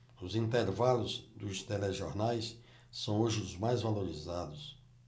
os intervalos dos telejornais são hoje os mais valorizados